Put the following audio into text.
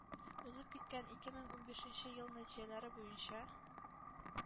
Узып киткән ике мең унбишенче ел нәтиҗәләре буенча,